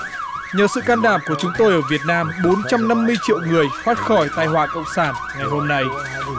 nhờ sự can đảm của chúng tôi ở việt nam bốn trăm năm mươi triệu người thoát khỏi tai họa cộng sản ngày hôm nay